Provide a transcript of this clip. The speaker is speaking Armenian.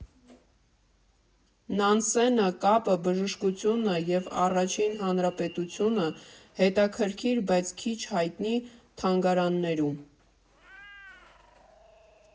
Նանսենը, կապը, բժշկությունը և Առաջին հանրապետությունը՝ հետաքրքիր, բայց քիչ հայտնի թանգարաններում։